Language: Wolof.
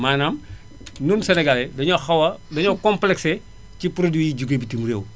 maanaam ñun sénégalais dañoo xaw a dañoo complexé ci produits yi jógee bitim réew